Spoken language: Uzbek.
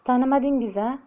tanimadingiz a